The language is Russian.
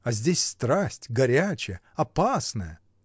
А здесь страсть, горячая, опасная!